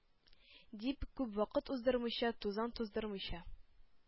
— дип, күп вакыт уздырмыйча, тузан туздырмыйча,